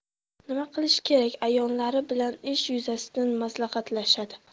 nima qilish kerak a'yonlari bilan ish yuzasidan maslahatlashadi